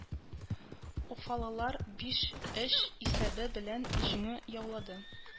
Уфалылар биш өч исәбе белән җиңү яулады